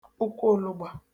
ụkwụōlōgbā